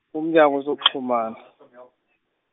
uMnyango wezokuXhumana.